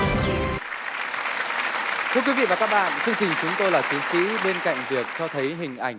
thưa quý vị và các bạn chương trình chúng tôi là chiến sĩ bên cạnh việc cho thấy hình ảnh